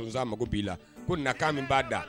mako b'i la ko nakan min b'a da.